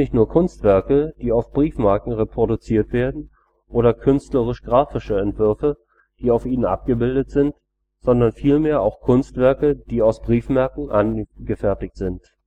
nur Kunstwerke, die auf Briefmarken reproduziert werden oder künstlerische grafische Entwürfe, die auf ihnen abgebildet sind, sondern vielmehr auch Kunstwerke, die aus Briefmarken angefertigt sind